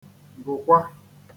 gụ̀kwa